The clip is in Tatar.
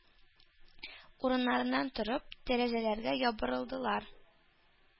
Урыннарыннан торып, тәрәзәләргә ябырылдылар.